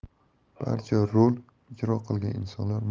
barcha rol ijro qilgan insonlar